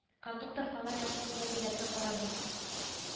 Хәзер аны совхоз болыны диләр.